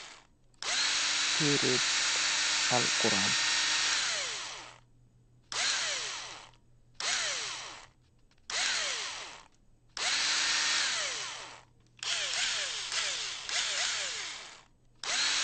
Tairaib alkhuraan.